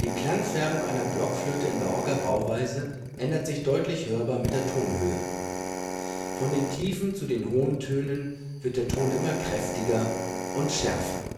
Klangfärbung einer Blockflöte in barocker Bauweise ändert sich deutlich hörbar mit der Tonhöhe. Von den tiefen zu den hohen Tönen wird der Ton immer kräftiger und schärfer